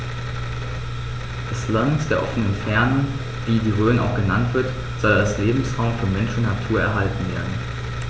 Das „Land der offenen Fernen“, wie die Rhön auch genannt wird, soll als Lebensraum für Mensch und Natur erhalten werden.